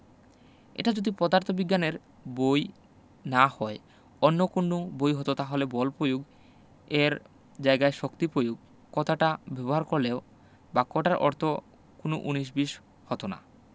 এটা যদি পদার্থবিজ্ঞানের বই না হয় অন্য কোনো বই হতো তাহলে বল পয়োগ এর জায়গায় শক্তি পয়োগ কথাটা ব্যবহার করলেও বাক্যটায় অর্থের কোনো উনিশবিশ হতো না